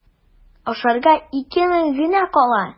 Ашарга ике мең генә кала.